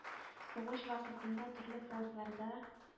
Сугыш вакытында төрле фронтларда